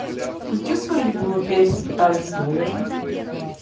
включи свою любимую песню потанцуем